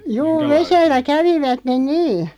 juu vedellä kävivät niin